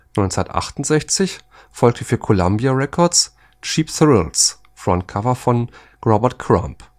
1968 folgte für Columbia Records Cheap Thrills (Frontcover von Robert Crumb